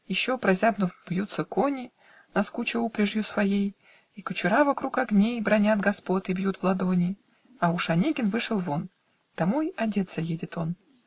Еще, прозябнув, бьются кони, Наскуча упряжью своей, И кучера, вокруг огней, Бранят господ и бьют в ладони - А уж Онегин вышел вон Домой одеться едет он.